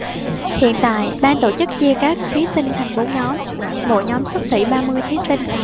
hiện tại ban tổ chức chia các thí sinh thành bốn nhóm mỗi nhóm xấp xỉ ba mươi thí sinh